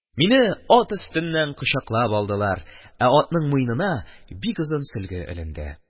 Мине ат өстеннән кочаклап алдылар, ә атның муенына бик озын сөлге эленде.